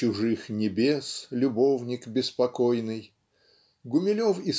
"чужих небес любовник беспокойный" Гумилев